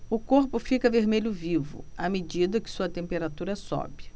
o corpo fica vermelho vivo à medida que sua temperatura sobe